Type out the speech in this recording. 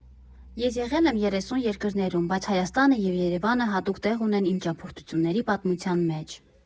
Ես եղել եմ երեսուն երկրներում, բայց Հայաստանը և Երևանը հատուկ տեղ ունեն իմ ճամփորդությունների պատմության մեջ։